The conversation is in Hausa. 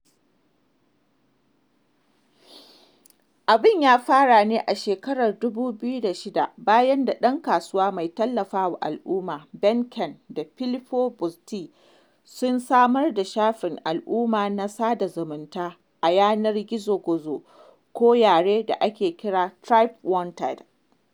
Abun ya fara ne a 2006 bayan ɗan kasuwa mai tallafa wa al'umma, Ben Kkeene da Filippo Bozotti sun samar da shafin al'umma na sada zumunta a yanar gizo gozo ko 'yare' da ake kira 'TribeWanted'.